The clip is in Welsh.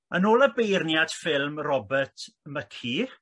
Yn ôl y beirniad ffilm Robert Mcgee